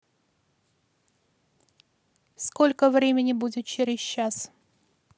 сколько времени будет через час